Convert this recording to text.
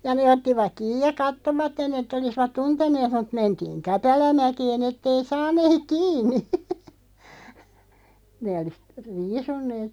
ja ne ottivat kiinni ja katsoivat että olisivat tunteneet mutta mentiin käpälämäkeen että ei saneet kiinni ne olisi riisuneet